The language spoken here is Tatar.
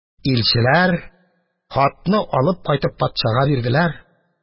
Илчеләр хатны алып кайтып патшага бирделәр.